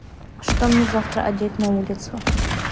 что мне завтра одеть на улицу